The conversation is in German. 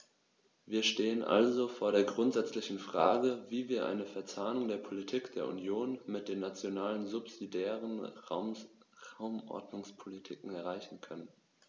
Wir stehen also vor der grundsätzlichen Frage, wie wir eine Verzahnung der Politik der Union mit den nationalen subsidiären Raumordnungspolitiken erreichen können.